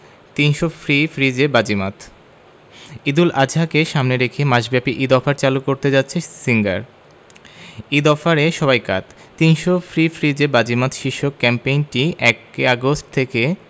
৩০০ free ফ্রিজে বাজিমাত ঈদুল আজহাকে সামনে রেখে মাসব্যাপী ঈদ অফার চালু করতে যাচ্ছে সিঙ্গার ঈদ অফারে সবাই কাত ৩০০ ফ্রি ফ্রিজে বাজিমাত শীর্ষক ক্যাম্পেইনটি ১ আগস্ট থেকে